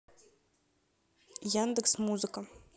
яндекс музыка